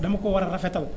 dama ko war a rafetal